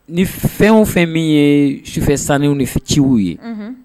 Ni fɛn o fɛn min ye sufɛ sanuw ciw ye